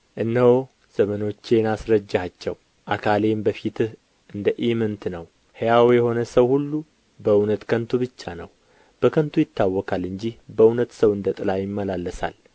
እነሆ ዘመኖቼን አስረጀሃቸው አካሌም በፊትህ እንደ ኢምንት ነው ሕያው የሆነ ሰው ሁሉ በእውነት ከንቱ ብቻ ነው በከንቱ ይታወካል እንጂ በእውነት ሰው እንደ ጣላ ይመላለሳል